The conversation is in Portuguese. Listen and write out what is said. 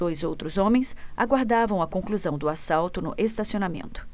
dois outros homens aguardavam a conclusão do assalto no estacionamento